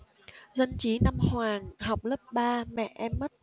dân trí năm hoàng học lớp ba mẹ em mất